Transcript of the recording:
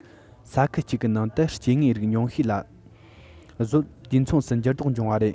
ས ཁུལ གཅིག གི ནང དུ སྐྱེ དངོས རིགས ཉུང ཤོས ལ གཟོད དུས མཚུངས སུ འགྱུར ལྡོག འབྱུང བ རེད